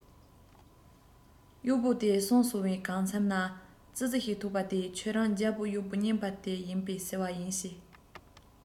གཡོག པོ དེ སོང སོང བས གང མཚམས ནས ཙི ཙི ཞིག ཐུག པ དེས ཁྱོད རང རྒྱལ པོའི གཡོག པོ རྙིང པ དེ ཡིན པས ཟེར བ ཡིན བྱས